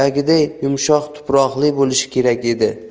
unetdagiday yumshoq tuproqli bo'lishi kerak edi